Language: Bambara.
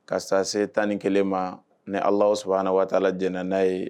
Ka taa se tan ni kelen ma ni alaaw sɔrɔ an waati la j n'a ye